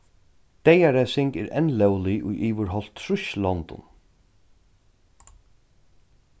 deyðarevsing er enn lóglig í yvir hálvtrýss londum